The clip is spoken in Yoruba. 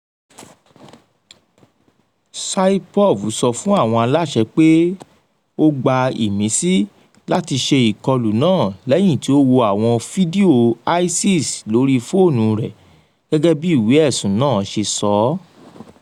Saipov sọ fún àwọn aláṣẹ pé ó gba ìmísí láti ṣe ìkọlù náà lẹ́yìn tí ó wo àwọn fídíò ISIS lórí fóònù rẹ̀, gẹ́gẹ́ bí ìwé ẹ̀sùn náà ṣe sọ.